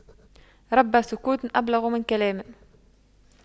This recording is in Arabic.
رب سكوت أبلغ من كلام